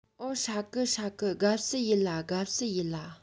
འོ ཧྲ གི ཧྲ གི དགའ བསུ ཡེད ལ དགའ བསུ ཡེད ལ